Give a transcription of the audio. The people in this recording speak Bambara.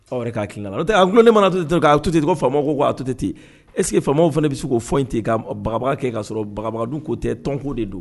Aw yɛrɛ ka hakilina la, n'o tɛ a gulonen mana toten, ko faamaw ko ko k'a toten ten, ɛ se ke faamaw fana bɛ se k'o fɔ ye ten ka bababaga kɛ ka sɔrɔ bababagako dun ko tɛ tɔn ko de don.